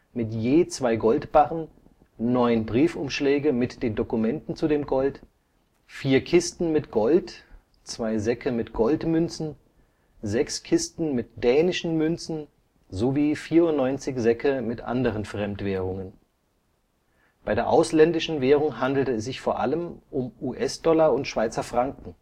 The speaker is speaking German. mit je zwei Goldbarren, 9 Briefumschläge mit den Dokumenten zu dem Gold, 4 Kisten mit Gold, 2 Säcke mit Goldmünzen, 6 Kisten mit dänischen Münzen sowie 94 Säcke mit anderen Fremdwährungen. Bei der ausländischen Währung handelte es sich vor allem um US-Dollar und Schweizer Franken